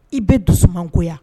I bɛ dusu mangoya